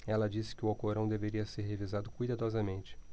ela disse que o alcorão deveria ser revisado cuidadosamente